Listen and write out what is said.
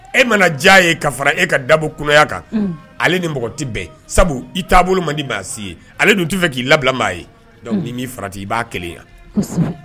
E ma na diya a ye ka fara e ka dabɔ kunaya,. Unhun! Ale ni mɔgɔ tɛ bɛn, sabu i taabolo man di maa si ye, ale dun t'i fɛ k'i labila maa ye,. Donc . un ! N'i m'i farati, i b'a kelenya. Kosɛbɛ!